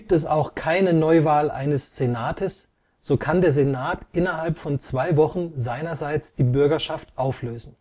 es auch keine Neuwahl eines Senates, so kann der Senat innerhalb von zwei Wochen seinerseits die Bürgerschaft auflösen